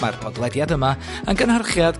ma'r podlediad yma yn gynhyrchiad